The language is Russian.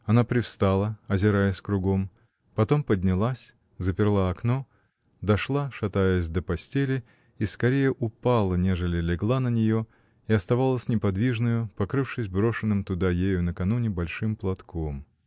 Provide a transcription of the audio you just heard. Она привстала, озираясь кругом, потом поднялась, заперла окно, дошла, шатаясь, до постели, и скорее упала, нежели легла на нее, и оставалась неподвижною, покрывшись брошенным туда ею накануне большим платком.